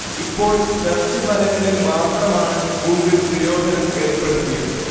ഇപ്പോൾ സെർച്ച് ഫലങ്ങളിൽ മാത്രമാണ് ഗൂഗിൾ നിരോധനം ഏർപ്പെടുത്തിയത്